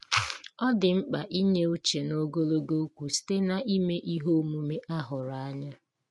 Ọ dị mkpa inye uche n'ogologo okwu site n'ime ihe omume a hụrụ anya.